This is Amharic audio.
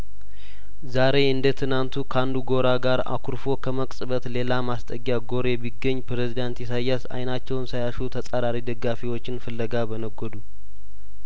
ዛሬ እንደትናንቱ ካንዱጐራ ጋር አኩርፎ ከመቅጽበት ሌላ ማስጠጊያ ጐሬ ቢገኝ ፕሬዚዳንት ኢሳይያስ አይናቸውን ሳያሹ ተጻራሪ ደጋፊዎችን ፍለጋ በነጐዱ